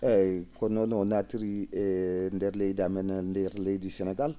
eeyi konoon ngu naattiri e ndeer leydi amen ndeer leydi Sénégal